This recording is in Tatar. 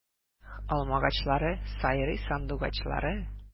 Эх, алмагачлары, сайрый сандугачлары!